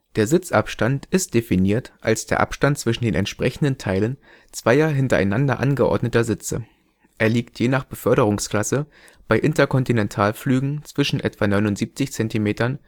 Der Sitzabstand ist definiert als der Abstand zwischen den entsprechenden Teilen zweier hintereinander angeordneter Sitze, er liegt je nach Beförderungsklasse bei Interkontinentalflügen zwischen etwa 79 cm